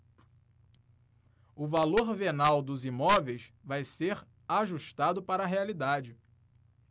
o valor venal dos imóveis vai ser ajustado para a realidade